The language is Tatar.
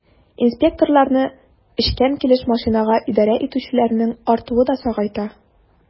Инспекторларны эчкән килеш машинага идарә итүчеләрнең артуы да сагайта.